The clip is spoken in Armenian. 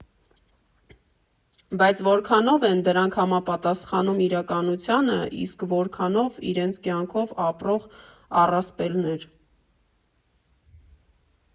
Բայց որքանո՞վ են դրանք համապատասխանում իրականությանը, իսկ որքանով՝ իրենց կյանքով ապրող առասպելներ։